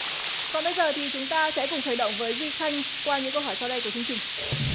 còn bây giờ thì chúng ta sẽ cùng khởi động với duy khanh qua những câu hỏi sau đây của chương trình